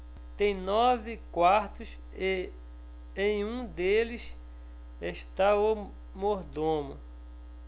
tem nove quartos e em um deles está o mordomo